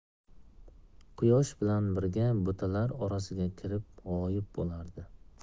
quyosh bilan birga butalar orasiga kirib g'oyib bo'lardi